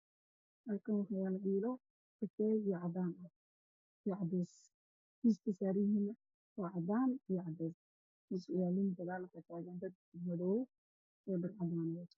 Waa miis cadaan waxaa saaran dhiil midabkeedu yahay midow ga waxaa ka dambeeyay niman